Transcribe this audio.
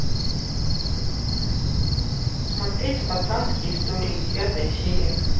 смотреть пацанские истории девятая серия